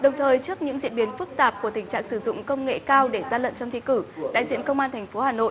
đồng thời trước những diễn biến phức tạp của tình trạng sử dụng công nghệ cao để gian lận trong thi cử đại diện công an thành phố hà nội